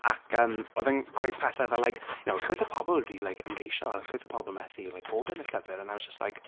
Ac yym o'dd e'n gweud pethe fel like you know llwyth o pobl 'di like ymgeisio a llwyth o pobl methu like bod yn y llyfr, and I was just like...